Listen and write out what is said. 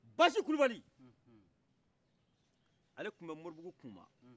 basi kulubali ale tun bɛ moribugu kun kan